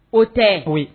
O tɛ , oui